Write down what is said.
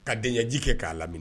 Ka denkɛji kɛ k'a laminɛ